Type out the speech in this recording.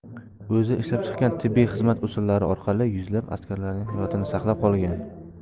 o'zi ishlab chiqqan tibbiy xizmat usullari orqali yuzlab askarlarning hayotini saqlab qolgan